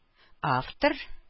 Автор